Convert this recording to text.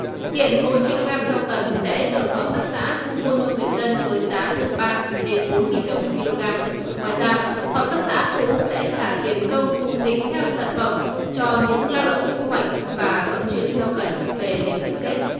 hiện mỗi ki lô gam rau cần sẽ được hợp tác xã thu mua cho người dân với giá từ ba đến bốn nghìn đồng một ki lô gam ngoài ra hợp tác xã cũng sẽ trả tiền công tính theo sản phẩm cho những lao động thu hoạch và vận chuyển rau cần về điểm tập kết